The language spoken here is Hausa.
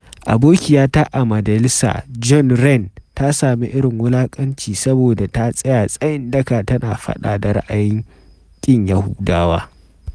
Abokiyata a majalisa Joan Ryan ta sami irin wulakanci saboda ta tsaya tsayin daka tana faɗa da ra’ayin ƙin Yahudawa.